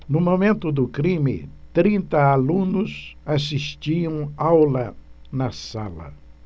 no momento do crime trinta alunos assistiam aula na sala